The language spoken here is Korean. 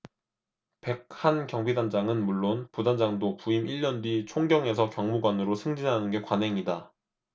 백 한 경비단장은 물론 부단장도 부임 일 년 뒤 총경에서 경무관으로 승진하는 게 관행이다